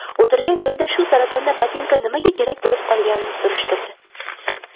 o'tirgan joyida shu saratonda botinka nimaga kerak bo'lib qolganini surishtirdi